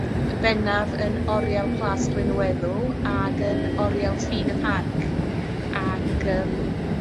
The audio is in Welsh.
yn bennaf yn oriel plas Glynweddw ag yn oriel Ffin y Parc ac yym